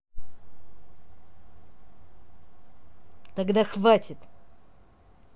тогда хватит